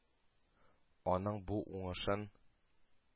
Аның бу уңышын